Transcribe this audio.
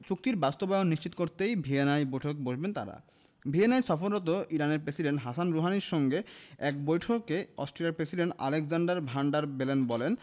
চুক্তির বাস্তবায়ন নিশ্চিত করতে ভিয়েনায় বৈঠকে বসবেন তাঁরা ভিয়েনায় সফররত ইরানের প্রেসিডেন্ট হাসান রুহানির সঙ্গে এক বৈঠকে অস্ট্রিয়ার president Alexander Van der Bellen বলেন